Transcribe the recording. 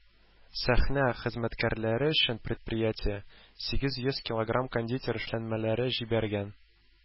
Сәхнә хезмәткәрләре өчен предприятие сигез йөз килограмм кондитер эшләнмәләре җибәргән.